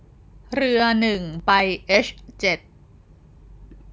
เรือหนึ่งไปเอชเจ็ด